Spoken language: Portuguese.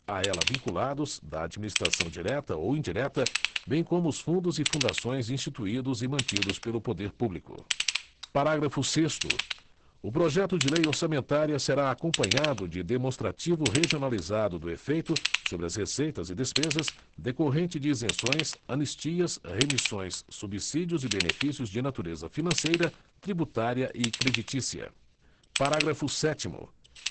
a ela vinculados da administração direta ou indireta bem como os fundos e fundações instituídos e mantidos pelo poder público parágrafo sexto o projeto de lei orçamentária será acompanhado de demonstrativo regionalizado do efeito sobre as receitas e despesas decorrente de isenções anistias remissões subsídios e benefícios de natureza financeira tributária e creditícia parágrafo sétimo